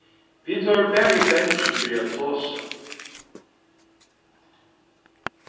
vit vóru bæði bangin fyri at tosa